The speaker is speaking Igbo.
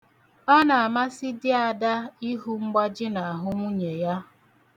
Ọ na-amasị di Ada ịhụ mgbaji n'ahụ nwunye ya.